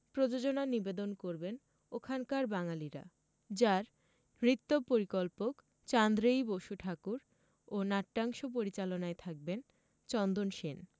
প্রযোজনা নিবেদন করবেন ওখানকার বাঙালিরা যার নৃত্যপরিকল্পক চান্দ্রেয়ী বসু ঠাকুর ও নাট্যাংশ পরিচালনায় থাকবেন চন্দন সেন